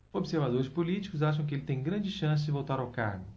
observadores políticos acham que ele tem grandes chances de voltar ao cargo